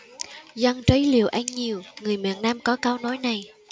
dân trí liều ăn nhiều người miền nam có câu nói này